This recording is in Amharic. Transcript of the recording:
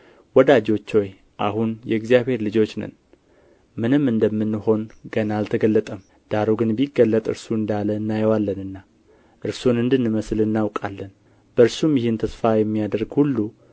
ወዳጆች ሆይ አሁን የእግዚአብሔር ልጆች ነን ምንም እንደምንሆን ገና አልተገለጠም ዳሩ ግን ቢገለጥ እርሱ እንዳለ እናየዋለንና እርሱን እንድንመስል እናውቃለን በእርሱም ይህን ተስፋ የሚያደርግ ሁሉ